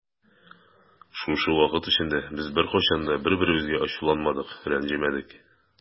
Шушы вакыт эчендә без беркайчан да бер-беребезгә ачуланмадык, рәнҗемәдек.